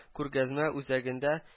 Күргәзмә үзәгендә